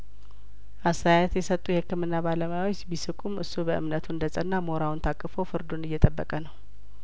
አስተያየት የሰጡ የህክምና ባለሙያዎች ቢስቁም እሱ በእምነቱ እንደጸና ሞራውን ታቅፎ ፍርዱን እየጠበቀ ነው